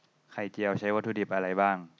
ไข่เจียวใช้วัตถุดิบอะไรบ้าง